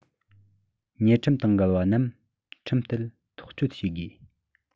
ཉེས ཁྲིམས དང འགལ བ རྣམས ཁྲིམས ལྟར ཐག གཅོད བྱེད དགོས